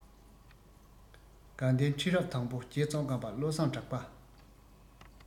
དགའ ལྡན ཁྲི རབས དང པོ རྗེ ཙོང ཁ པ བློ བཟང གྲགས པ